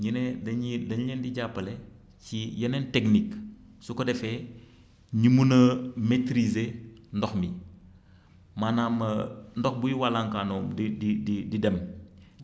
ñu ne dañuy dañ leen di jàppale ci yeneen techniques su ko defee ñu mën a maitriser ndox mi maanaam ndox buy walangaanoo di di di di di dem